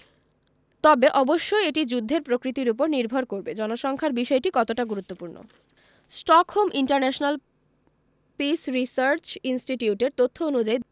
তবে অবশ্যই এটি যুদ্ধের প্রকৃতির ওপর নির্ভর করবে জনসংখ্যার বিষয়টি কতটা গুরুত্বপূর্ণ স্টকহোম ইন্টারন্যাশনাল পিস রিসার্চ ইনস্টিটিউটের তথ্য অনুযায়ী